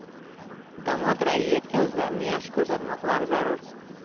domod raiyyatga o'zlarini yaxshi ko'rsatmoqlari zarur